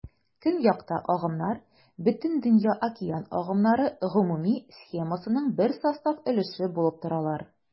Көньякта агымнар Бөтендөнья океан агымнары гомуми схемасының бер состав өлеше булып торалар.